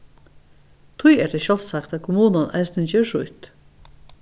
tí er tað sjálvsagt at kommunan eisini ger sítt